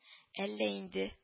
Әллә инде